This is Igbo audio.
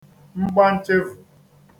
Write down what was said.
mgbanchevù